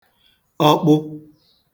ọkpụ